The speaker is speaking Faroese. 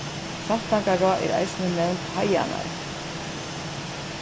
saltangará er eisini nevnd heiðarnar